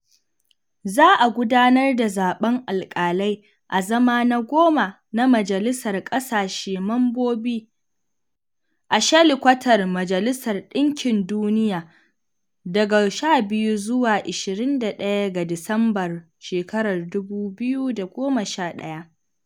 Za a gudanar da zaɓen alƙalai a zama na goma na Majalisar Ƙasashe Mambobi a shelikwatar Majalisar Ɗinkin Duniya daga 12 zuwa 21 ga Disamba, 2011.